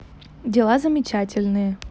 дела замечательные